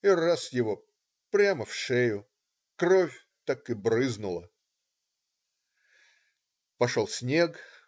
"- и раз его, прямо в шею, кровь так и брызнула. Пошел снег.